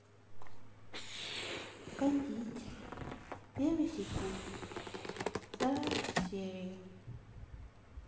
кондитер первый сезон вторая серия